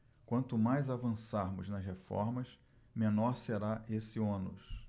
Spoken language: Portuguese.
quanto mais avançarmos nas reformas menor será esse ônus